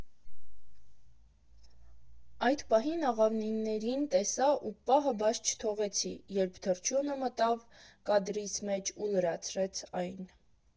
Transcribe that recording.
Այդ պահին աղավնիներին տեսա ու պահը բաց չթողեցի, երբ թռչյունը մտավ կադրիս մեջ ու լրացրեց այն։